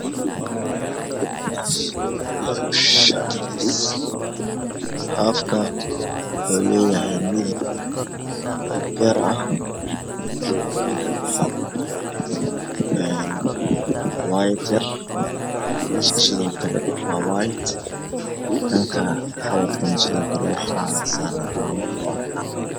Haaf iyo shaatigiisa, haafka waxuu leeyahay midab beer ah, waxaa kujiro cadaan, shaati cadaan xabadkana waxaa kasaaran calaamad cadaan ah.